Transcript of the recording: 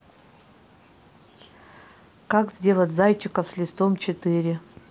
как сделать зайчиков с листом четыре